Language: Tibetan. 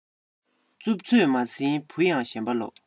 རྩུབ ཚོད མ ཟིན བུ ཡང ཞེན པ ལོག